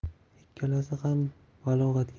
ikkalasi ham balog'atga